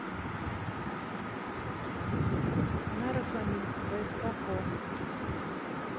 наро фоминск войска по